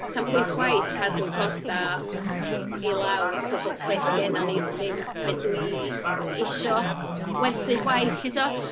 'Sa'm pwynt chwaith cadw costau i lawr, so bo' be 'sgenna ni ddim be dwi isio werthu chwaith, 'lly tibod?